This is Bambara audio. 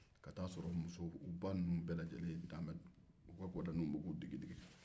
ka ta'a sɔrɔ u baw ninnu bɛɛ lajɛlen dalen bɛ u gwadanin bɛ k'u digi digi